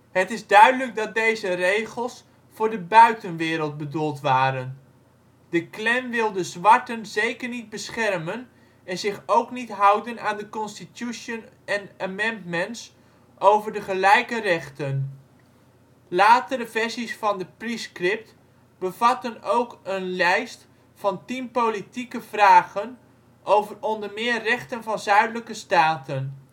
Het is duidelijk dat deze regels voor de buitenwereld bedoeld waren. De Klan wilde zwarten zeker niet beschermen en zich ook niet houden aan de Constitution en Amendments over de gelijke rechten. Latere versies van de Prescript bevatten ook een lijst van tien politieke vragen over onder meer rechten van Zuidelijke staten